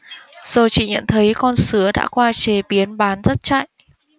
rồi chị nhận thấy con sứa đã qua chế biến bán rất chạy